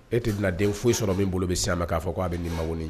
E tɛ tɛnainaden foyisi sɔrɔ min bolo bɛ sa ma k'a fɔ ko'a bɛ ni ma ye